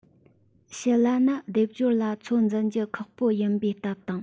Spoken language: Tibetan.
བྱི ལ ནི སྡེབ སྦྱོར ལ ཚོད འཛིན རྒྱུ ཁག པོ ཡིན པའི སྟབས དང